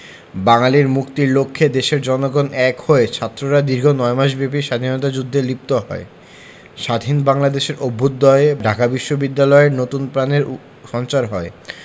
বাঙালির মুক্তির লক্ষ্যে দেশের জনগণের সঙ্গে এক হয়ে ছাত্ররা দীর্ঘ নয় মাসব্যাপী স্বাধীনতা যুদ্ধে লিপ্ত হয় স্বাধীন বাংলাদেশের অভ্যুদয়ে ঢাকা বিশ্ববিদ্যালয়ে নতুন প্রাণের সঞ্চার হয়